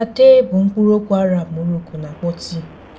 Atay bụ mkpụrụokwu Arab Morocco na-akpọ tii.